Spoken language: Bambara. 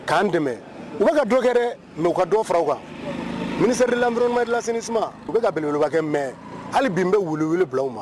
K dɛmɛ u bɛka ka donkɛ mɛ u ka dɔ fara kan mini sɛbɛn laburumalas suma u bɛka ka binbakɛ mɛn hali bi bɛ wulu wili bila aw ma